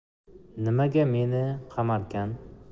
nimaga meni qamarkan